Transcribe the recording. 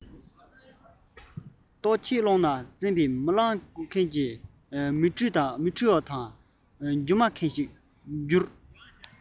རྟོག འཆལ ཀློང ན རྩེན པའི རྨི ལམ འགུག མཁན གྱི མིག འཕྲུལ བ དང སྒྱུ མ མཁན ཞིག འགྱུར ངེས ལ